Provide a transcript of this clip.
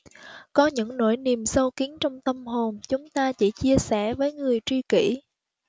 có những nỗi niềm sâu kín trong tâm hồn chúng ta chỉ chia sẻ với người tri kỉ